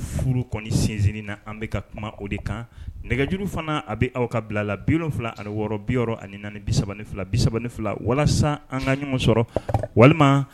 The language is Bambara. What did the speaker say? Sin an nɛgɛjuru fana a bɛ aw ka bila la bi fila ani wɔɔrɔ bi ani na ni bisa fila bisa fila walasa an ka ɲuman sɔrɔ walima